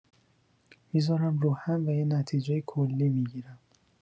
می‌زارم رو هم و یه نتیجه کلی می‌گیرم